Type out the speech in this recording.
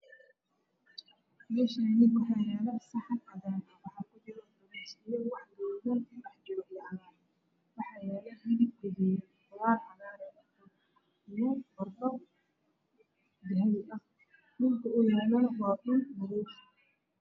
Meeshaani waxaa yaalo saxan cadaan waxaa ku jiro wax gaduudan waxaa yaalo hilib gaduudan qudaar cagaar iuo fardo dahabi ah dhulka uu yalana waa dhul madow